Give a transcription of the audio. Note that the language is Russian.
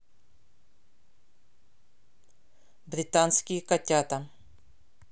британские котята